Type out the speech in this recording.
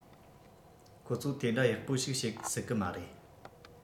ཁོ ཚོ དེ འདྲ ཡག པོ ཞིག བྱེད སྲིད གི མ རེད